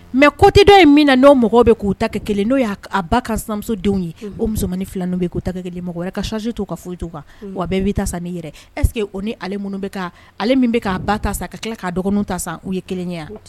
Mais coté dɔn in min na n'o mɔgɔw be k'u ta kɛ 1 ye n'o y'a k a ba kansinamuso denw ye unhun o musomanni 2 nun be ye k'u ta kɛ 1 ye mɔgɔ wɛrɛ ka charge t'u kan foyi t'u kan unhun wa bɛɛ b'i ta san n'i yɛrɛ ye est ce que o ni ale munnu be k'a ale min be k'a ba ta san ka tila k'a dɔgɔnuw ta san u ye 1 ye a